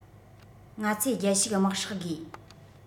ང ཚོས རྒྱལ ཕྱུག དམག ཧྲག དགོས